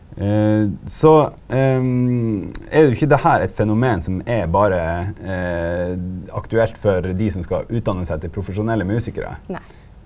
så er jo ikkje det her eit fenomen som er berre aktuelt for dei som skal utdanna seg til profesjonelle musikarar.